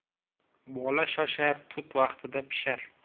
bola shoshar tut vaqtida pishar